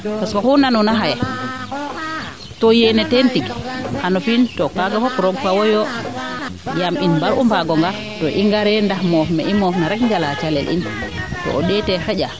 parce que oxuu nanoonga xaye to yeen teen tog xano fi'in to kaaga fop roog fa'wo yoo yaam in mbar'u mbaago ngar to i ngaree ndax moof mee i moof na rek njala calel in to o ndeete xanja